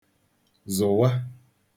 zụ̀wa